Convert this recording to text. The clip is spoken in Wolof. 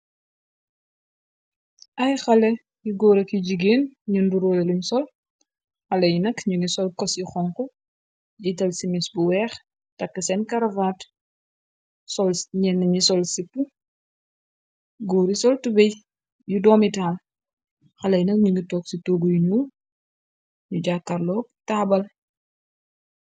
Ay xale yi góor ak ki jigéen ñënduróole luñ sol xale yi nak ñu ngi sol koci xonku jiital simis bu weex taxk seen karavaate sol ñeenn ni sol sip góor yi sol tube yu doomitaal xale yi nak ñu ngu toog ci toogu nyuul ñu jàakarloo taabal.